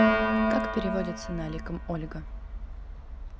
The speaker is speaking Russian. как переводится наликом ольга